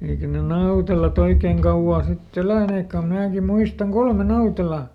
eikä ne Nautelat oikein kauaa sitten eläneetkään kun minäkin muistan kolme Nautelaa